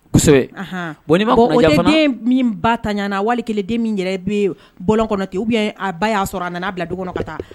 Kosɛbɛ! Ahan! Bon n'i ma kunnaja fana O tɛ ni den min ba ntanɲa na wali kelen den min yɛrɛ bɛ bɔlɔn kɔnɔ ten ou bien a ba y'a sɔrɔ a nan'a bila du kɔnɔ ka taa